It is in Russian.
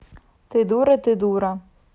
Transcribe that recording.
ты дура ты дура